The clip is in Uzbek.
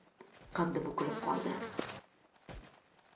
qaddi bukilib qoldi